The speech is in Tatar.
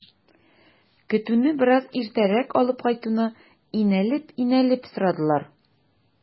Көтүне бераз иртәрәк алып кайтуны инәлеп-инәлеп сорадылар.